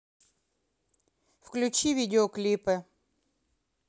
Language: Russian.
включи видеоклипы